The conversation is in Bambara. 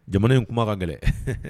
Jamana in kuma ka gɛlɛn